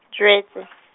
jwetse.